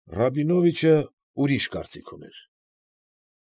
Ռաբինովիչը բոլորովին ուրիշ կարծիք ուներ։